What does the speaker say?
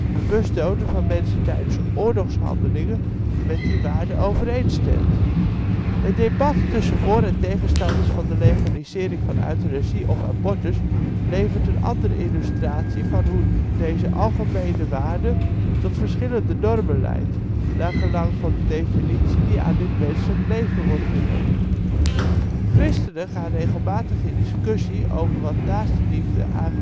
bewust doden van mensen tijdens oorlogshandelingen met die waarde overeenstemt. Het debat tussen voor - en tegenstanders van de legalisering van euthanasie of abortus levert een andere illustratie van hoe deze algemene waarde tot verschillende normen leidt, naar gelang van de definitie die aan dit menselijk leven wordt gegeven. Christenen gaan regelmatig in discussie over wat naastenliefde aan gedragsvoorschriften